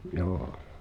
joo